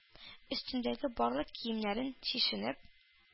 Өстендәге барлык киемнәрен, чишенеп,